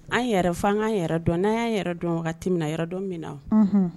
An yɛrɛf'an k'an yɛrɛ dɔn, n'an y'a yɛrɛ dɔn wagati min na, yɛrɛ dɔn min na.